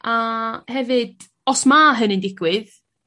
a hefyd os ma' hynny'n digwydd